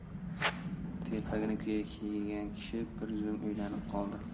telpagini kuya yegan kishi bir zum o'ylanib qoldi